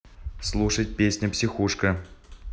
слушать песня психушка